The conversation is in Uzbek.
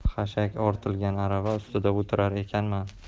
xashak ortilgan arava ustida o'tirar ekanman